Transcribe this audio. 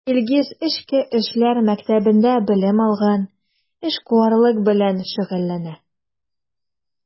Илгиз Эчке эшләр мәктәбендә белем алган, эшкуарлык белән шөгыльләнә.